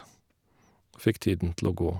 Fikk tiden til å gå.